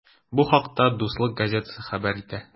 Бу хакта “Дуслык” газетасы хәбәр итә.